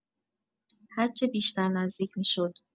هرچه بیشتر نزدیک می‌شد.